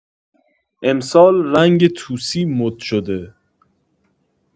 امسال رنگ طوسی مد شده